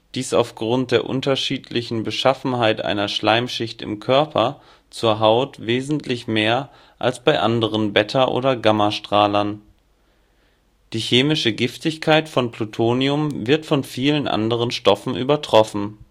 dies aufgrund der unterschiedlichen Beschaffenheit einer Schleimschicht im Körper zur Haut wesentlich mehr als bei anderen ß - oder γ-Strahlern. Die chemische Giftigkeit von Plutonium wird jedoch von vielen anderen Stoffen übertroffen